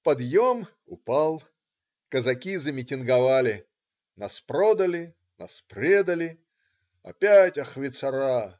"Подъем" - упал, казаки замитинговали: "нас продали", "нас предали", "опять ахвицара!".